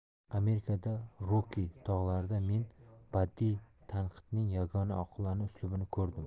amerikada rokki tog'larida men badiiy tanqidning yagona oqilona uslubini ko'rdim